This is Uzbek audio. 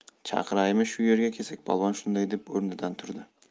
chaqiraymi shu yerda kesakpolvon shunday deb o'rnidan turdi